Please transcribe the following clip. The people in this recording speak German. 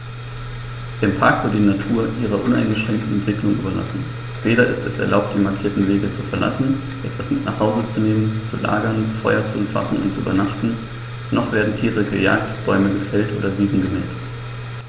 Im Park wird die Natur ihrer uneingeschränkten Entwicklung überlassen; weder ist es erlaubt, die markierten Wege zu verlassen, etwas mit nach Hause zu nehmen, zu lagern, Feuer zu entfachen und zu übernachten, noch werden Tiere gejagt, Bäume gefällt oder Wiesen gemäht.